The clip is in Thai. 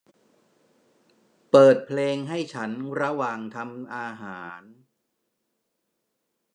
เปิดเพลงให้ฉันระหว่างทำอาหาร